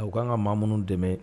A u k'an ka maa minnu dɛmɛ